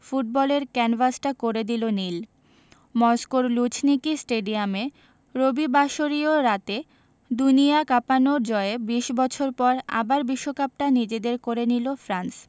ফুটবলের ক্যানভাসটা করে দিল নীল মস্কোর লুঝনিকি স্টেডিয়ামে রবিবাসরীয় রাতে দুনিয়া কাঁপানো জয়ে ২০ বছর পর আবার বিশ্বকাপটা নিজেদের করে নিল ফ্রান্স